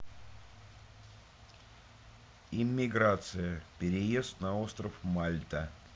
иммиграция переезд на остров мальта